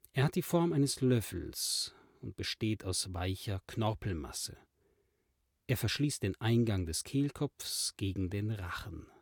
Er hat die Form eines Löffels und besteht aus weicher Knorpelmasse. Er verschließt den Eingang des Kehlkopfs gegen den Rachen